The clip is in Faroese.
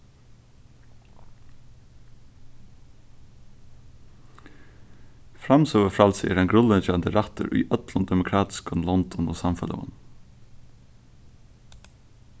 framsøgufrælsi er ein grundleggjandi rættur í øllum demokratiskum londum og samfeløgum